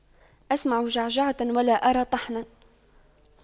أسمع جعجعة ولا أرى طحنا